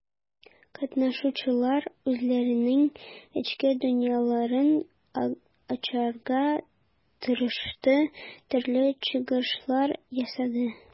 Катнашучылар үзләренең эчке дөньяларын ачарга тырышты, төрле чыгышлар ясады.